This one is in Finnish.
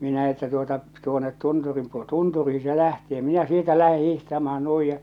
minä että tuota tuonne tunturin - tunturiin se lähti ja minä sieltä lähden hiihtämään noin ja